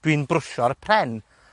Dwi'n brwsio'r pren.